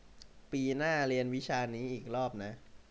ปีหน้าเรียนวิชานี้อีกรอบนะ